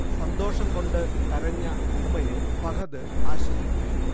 സന്തോഷം കൊണ്ടു കരഞ്ഞ ഉമ്മയെ ഫഹദ് ആശ്വസിപ്പിച്ചു